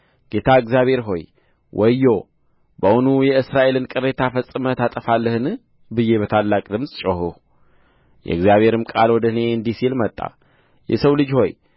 ጌታ እግዚአብሔር ሆይ ወዮ በውኑ የእስራኤልን ቅሬታ ፈጽመህ ታጠፋለህን ብዬ በታላቅ ድምፅ ጮኽሁ የእግዚአብሔርም ቃል ወደ እኔ እንዲህ ሲል መጣ የሰው ልጅ ሆይ